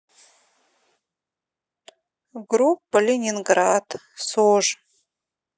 группа ленинград зож